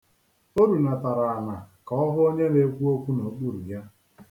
O hulatara ala ka ọ hụ onye na-ekwu okwu n'okpuru ya.